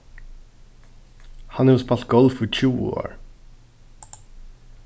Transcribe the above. hann hevur spælt golf í tjúgu ár